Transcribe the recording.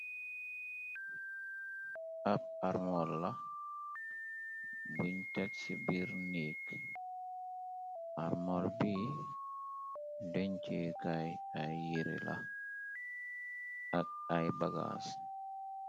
Ab armool la buñ tek ci biir nèeg, armool bi dëncekaay ay yiri la ak ay bagaas.